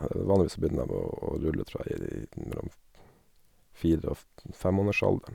Vanligvis så begynner dem å å rulle, tror jeg, i n når dem fire og f femmånedersalderen.